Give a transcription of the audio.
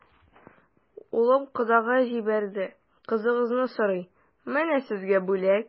Улым кодага җибәрде, кызыгызны сорый, менә сезгә бүләк.